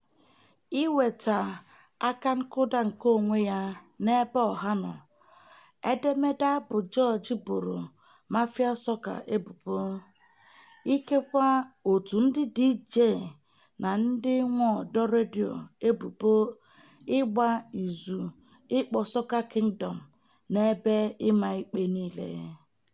Iweta akankụda nkeonwe ya n'ebe ọha nọ, edemede abụ George boro "mafia sọka" ebubo — ikekwa òtù ndị diijee na ndị nwe ọdọ redio — ebubo ịgba izu ịkpọ "Soca Kingdom" n'ebe ịma ikpe niile.